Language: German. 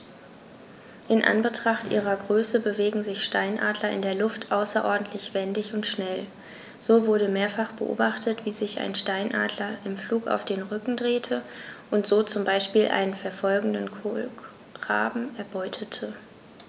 In Anbetracht ihrer Größe bewegen sich Steinadler in der Luft außerordentlich wendig und schnell, so wurde mehrfach beobachtet, wie sich ein Steinadler im Flug auf den Rücken drehte und so zum Beispiel einen verfolgenden Kolkraben erbeutete.